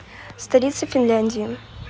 столица финляндии